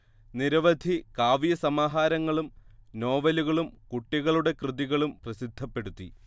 നിരവധി കാവ്യ സമാഹാരങ്ങളും നോവലുകളും കുട്ടികളുടെ കൃതികളും പ്രസിദ്ധപ്പെടുത്തി